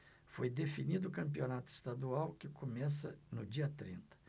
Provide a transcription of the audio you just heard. foi definido o campeonato estadual que começa no dia trinta